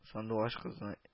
Сандугач кызны